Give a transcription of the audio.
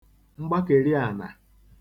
mgbakeliànà